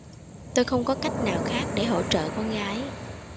tôi không có cách nào khác để hỗ trợ con gái